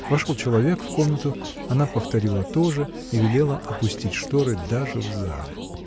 вошел человек в комнату, она повторила то же и велела опустить сторы даже в зале.